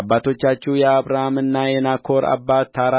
አባቶቻችሁ የአብርሃምና የናኮር አባት ታራ